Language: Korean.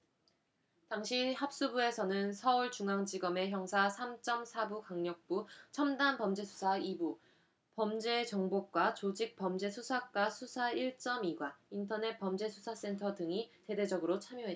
당시 합수부에는 서울중앙지검의 형사 삼 쩜 사 부 강력부 첨단범죄수사 이 부 범죄정보과 조직범죄수사과 수사 일 쩜 이 과 인터넷범죄수사센터 등이 대대적으로 참여했다